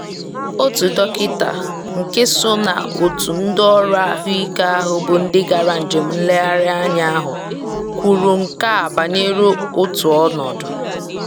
Onye isi akụkọ n'ọnọdụ a yiri ndị ọrịa anyị na-ahụkarị na ngalaba mmemme ọghọm na nke mberede – ndị ọgwụ ọjọọ riri ahụ, ndị na-ehi ụra n'okporo ámá, ndị gbara ọsọ ndụ.